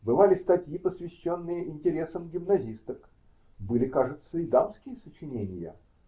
Бывали статьи, посвященные интересам гимназисток, были, кажется, и дамские сочинения.